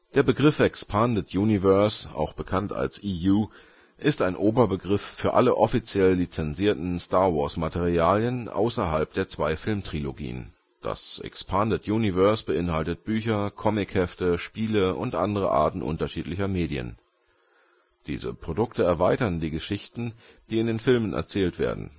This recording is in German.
Der Begriff „ Expanded Universe “, auch bekannt als „ EU “, ist ein Oberbegriff für alle offiziell lizenzierten Star-Wars-Materialien, außerhalb der zwei Filmtrilogien. Das Expanded Universe beinhaltet Bücher, Comic-Hefte, Spiele und andere Arten unterschiedlicher Medien. Diese Produkte erweitern die Geschichten, die in den Filmen erzählt werden